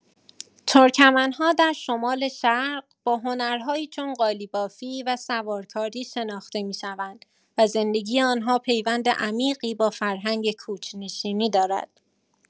ترکمن‌ها در شمال‌شرق، با هنرهایی چون قالی‌بافی و سوارکاری شناخته می‌شوند و زندگی آنها پیوند عمیقی با فرهنگ کوچ‌نشینی دارد.